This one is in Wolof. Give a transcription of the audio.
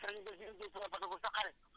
Serigne Bassirou Gueye Touba Fatakour sa xarit